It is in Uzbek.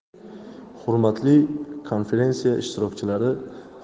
hurmatli konferensiya ishtirokchilari